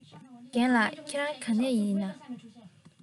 རྒན ལགས ཁྱེད རང ག ནས ཡིན ན